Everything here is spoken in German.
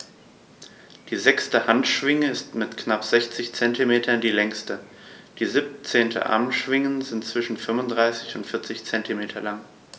Die sechste Handschwinge ist mit knapp 60 cm die längste. Die 17 Armschwingen sind zwischen 35 und 40 cm lang.